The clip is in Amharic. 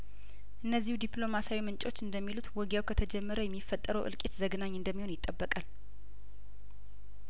እነዚሁ ዲፕሎማሲያዊ ምንጮች እንደሚሉት ወጊ ያው ከተጀመረ የሚፈጠረው እልቂት ዘግናኝ እንደሚሆን ይጠበቃል